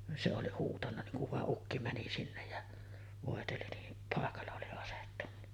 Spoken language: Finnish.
se oli huutanut niin kun vai ukki meni sinne ja voiteli niin paikalla oli asettunut